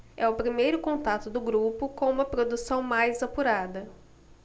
é o primeiro contato do grupo com uma produção mais apurada